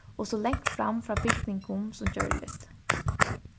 og so langt fram frá bygningum sum gjørligt